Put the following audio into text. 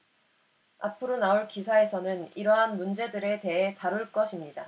앞으로 나올 기사에서는 이러한 문제들에 대해 다룰 것입니다